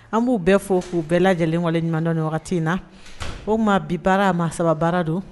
An b'u bɛɛ fo k uu bɛɛ lajɛ lajɛlen waleɲumandɔn wagati in na o ma bi baara ma saba baara don